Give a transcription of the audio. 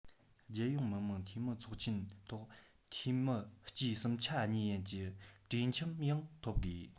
རྒྱལ ཡོངས མི དམངས འཐུས མིའི ཚོགས ཆེན ཐོག འཐུས མི སྤྱིའི གསུམ ཆ གཉིས ཡན གྱི གྲོས འཆམ ཡང འཐོབ དགོས